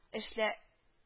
Эшлә